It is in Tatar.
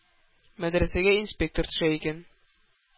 Мәдрәсәгә инспектор төшә икән,